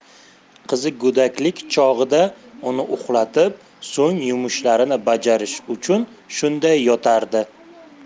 qizi go'daklik chog'ida uni uxlatib so'ng yumushlarini bajarish uchun shunday yotardi